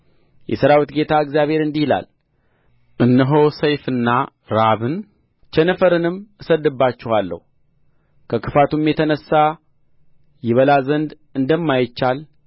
የሠራዊት ጌታ እግዚአብሔር እንዲህ ይላል እነሆ ሰይፍንና ራብን ቸነፈርንም እሰድድባቸዋለሁ ከክፋቱም የተነሣ ይበላ ዘንድ እንደማይቻል